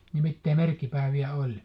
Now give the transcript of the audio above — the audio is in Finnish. niin mitä merkkipäiviä oli